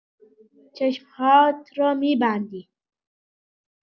چشم‌هات رو می‌بندی.